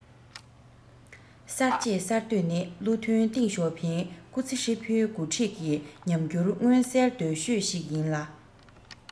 གསར འབྱེད གསར གཏོད ནི བློ མཐུན ཏེང ཞའོ ཕིང སྐུ ཚེ ཧྲིལ པོའི འགོ ཁྲིད ཀྱི ཉམས འགྱུར མངོན གསལ དོད ཤོས ཤིག ཡིན ལ